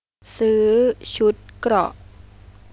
ซื้อชุดเกราะ